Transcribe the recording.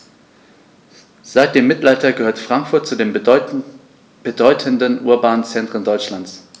Seit dem Mittelalter gehört Frankfurt zu den bedeutenden urbanen Zentren Deutschlands.